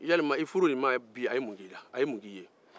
yali i furu nin ma bi a ye munk'i la a ye mun k'i ye